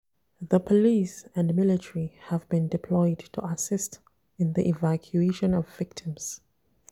The police and military have been deployed to assist in the evacuation of victims.